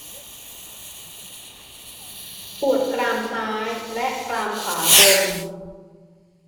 ปวดกรามซ้ายและกรามขวาบน